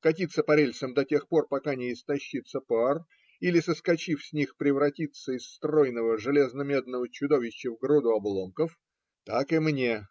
катиться по рельсам до тех пор, пока не истощится пар, или, соскочив с них, превратиться из стройного железно-медного чудовища в груду обломков, так и мне.